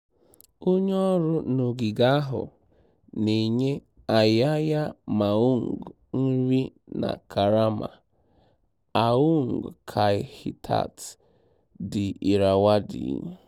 Onye ọrụ n'ogige ahụ na-enye Ayeyar Maung nri na karama. / Aung Kyaw Htet / The Irrawaddy